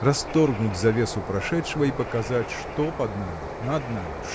расторгнуть завесу прошедшего и показать что под нами над нами